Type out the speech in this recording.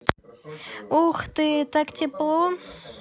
ух ты так тепло